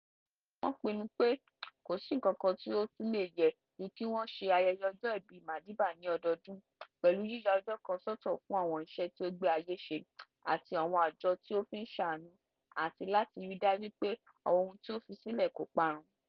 Wọ́n pinnu pé kò sí nǹkan kan tí ó tún lè yẹ ju kí wọ́n ṣe ayẹyẹ ọjọ́ ìbí Madiba ní ọdọọdún pẹ̀lú yíya ọjọ́ kan sọ́tọ̀ fún àwọn iṣẹ́ tí ó gbé ayé ṣe àti àwọn àjọ tí ó fi ń ṣàánú àti láti ríi dájú pé ohun tí ó fi sílẹ̀ kò parun.